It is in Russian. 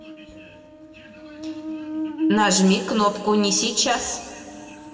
нажми кнопку не сейчас